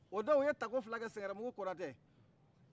o do u ye ta ko fila kɛ sɛngɛrɛbugu konatɛ